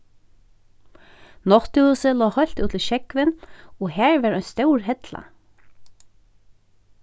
nátthúsið lá heilt út til sjógvin og har var ein stór hella